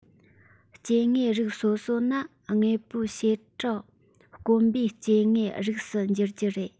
སྐྱེ དངོས རིགས སོ སོ ནི དངོས པོའི བྱེ བྲག དཀོན པའི སྐྱེ དངོས རིགས སུ འགྱུར རྒྱུ རེད